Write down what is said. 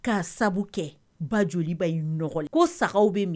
Ka sabu kɛ banjooliba nɔgɔn ko sagaw bɛ